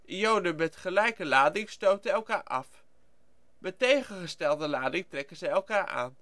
Ionen met gelijke lading stoten elkaar af. Met tegengestelde lading trekken zij elkaar aan